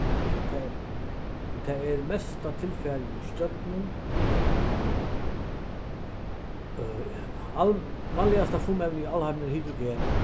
tað er tað er mesta tilfarið í stjørnum vanligasta frumevnið í alheiminum er hydrogen